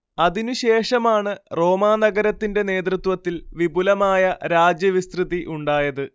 അതിനുശേഷമാണ് റോമാനഗരത്തിന്റെ നേതൃത്വത്തിൽ വിപുലമായ രാജ്യവിസ്തൃതി ഉണ്ടായത്